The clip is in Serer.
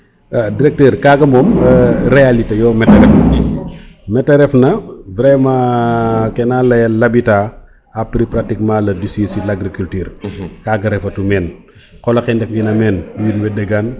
Directeur kaga moom realiter yo mete ref na mete ref na vraiment ke na leyel l' habitat a pris pratiquement le dessus sur l' agricuture kaga refa tu men qola xe ndef ina men wiin we ndegan